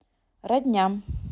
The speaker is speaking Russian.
родня